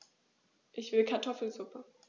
Ich will Kartoffelsuppe.